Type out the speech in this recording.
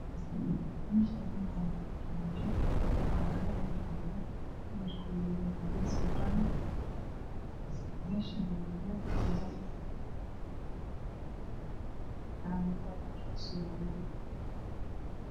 Meshaani waxaa yalo armaajo bakado ayaa yaalo kalarkoodu yahay cadees iyo qalin meshaani waa meel xiran caa gado ayaa hoos yalaan